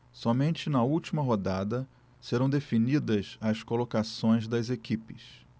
somente na última rodada serão definidas as colocações das equipes